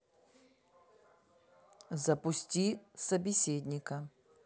запусти собеседника